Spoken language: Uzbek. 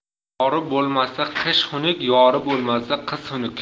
qori bo'lmasa qish xunuk yori bo'lmasa qiz xunuk